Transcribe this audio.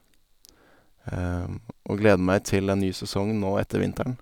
Og gleder meg til en ny sesong nå etter vinteren.